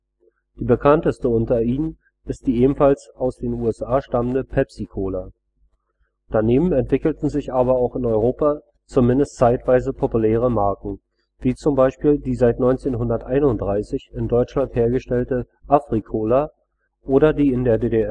bekannteste unter ihnen ist die ebenfalls aus den USA stammende Pepsi-Cola. Daneben entwickelten sich aber auch in Europa zumindest zeitweise populäre Marken, wie zum Beispiel die seit 1931 in Deutschland hergestellte Afri-Cola oder die in der DDR